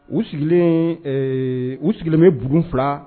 U sigilen u sigilen bɛ b fila